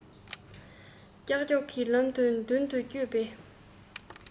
ཀྱག ཀྱོག གི ལམ དུ མདུན དུ བསྐྱོད པའི